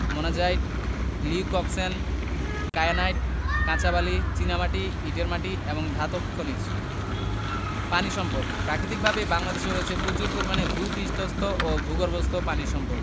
monazite leucoxene kyanite কাঁচবালি চীনামাটি ইটের মাটি এবং ধাতব খনিজ পানি সম্পদঃ প্রাকৃতিকভাবেই বাংলাদেশের রয়েছে প্রচুর পরিমাণে ভূ পৃষ্ঠস্থ ও ভূগর্ভস্থ পানি সম্পদ